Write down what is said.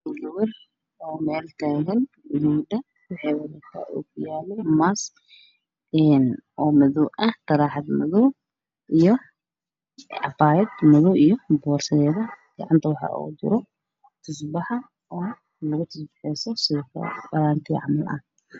Waa gabar waxa ay wadataa taruuxaad madow xijaab ah fiirisa sawir ku dhegan darbiga ah